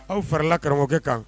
Aw farila karamɔgɔkɛ kan